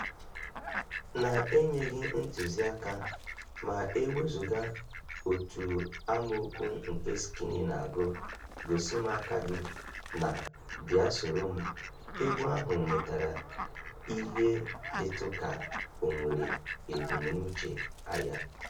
Na-enyeghị ntụziaka (ma e wezụga otu amaokwu nke Skinny na-agụ "gosi m aka gị" na "bịa soro m"), egwu ahụ nwetara ihe dịtụ ka o nwere ebumnuche agha.